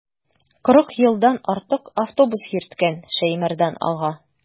Кырык елдан артык автобус йөрткән Шәймәрдан ага.